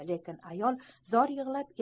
lekin ayol zor yig'lab